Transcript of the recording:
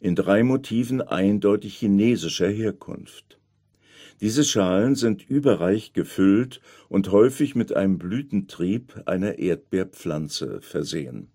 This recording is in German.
in drei Motiven eindeutig chinesischer Herkunft. Diese Schalen sind überreich gefüllt und häufig mit einem Blütentrieb einer Erdbeerpflanze versehen